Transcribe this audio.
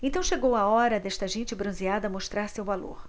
então chegou a hora desta gente bronzeada mostrar seu valor